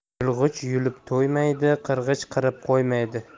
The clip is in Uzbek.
yulg'ich yulib to'ymaydi qirg'ich qirib qo'ymaydi